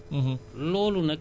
même bu dee ngooñ la